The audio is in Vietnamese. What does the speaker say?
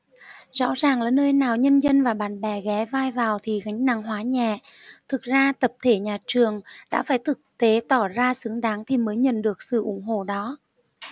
rõ ràng là nơi nào nhân dân và bạn bè ghé vai vào thì gánh nặng hóa nhẹ thực ra tập thể nhà trường đã phải thực tế tỏ ra xứng đáng thì mới nhận được sự ủng hộ đó